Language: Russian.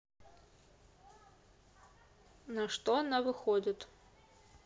на что она выходит